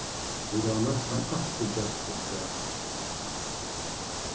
vit hava næstan altíð gestir til døgurða